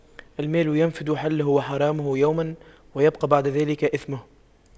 المال ينفد حله وحرامه يوماً ويبقى بعد ذلك إثمه